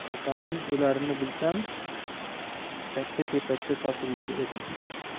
otamning o'larini bilsam chaksa kepakka sotib yer edim